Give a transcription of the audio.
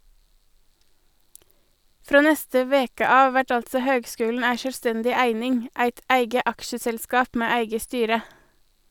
Frå neste veke av vert altså høgskulen ei sjølvstendig eining, eit eige aksjeselskap med eige styre.